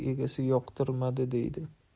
uy egasi yoqtirmadi deydi